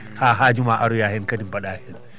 ha haajuma aroya heen kadi mbaɗaa heen